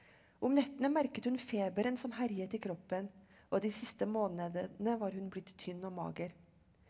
om nettene merket hun feberen som herjet i kroppen og de siste månedene var hun blitt tynn og mager.